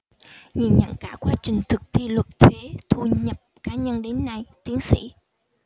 nhìn nhận cả quá trình thực thi luật thuế thu nhập cá nhân đến nay tiến sĩ